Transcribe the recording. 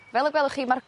fel y gwelwch chi ma'r